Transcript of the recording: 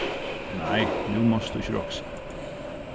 nei nú mást tú ikki roksa